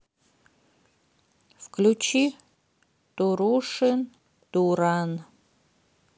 включи турушин дуран